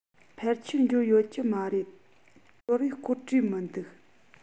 ཕལ ཆེར འབྱོར ཡོད ཀྱི མ རེད འབྱོར བའི སྐོར བྲིས མི འདུག